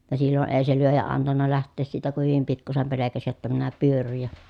ja silloin ei se lyöjä antanut lähteä siitä kun hyvin pikkuisen pelkäsi jotta minä pyörryn ja